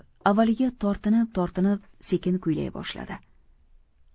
doniyor awaliga tortinib tortinib sekin kuylay boshladi